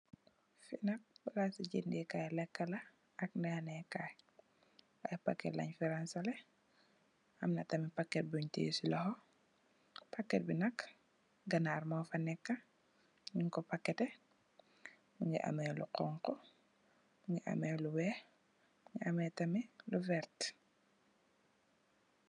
fi nak palasi jendeh kai leka la ak naaneh kai i packet leng fi ransaleh am na tam packet bunj teyeh si loho packet bi nak ganarr mofa neka nyungko packetteh Mungi ameh lu hunhu Mungi ameh lu weih Mungi ameh tamit lu verteh .